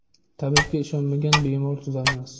tabibga ishonmagan bemor tuzalmas